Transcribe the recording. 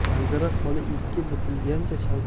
anzirat xola ikki bukilgancha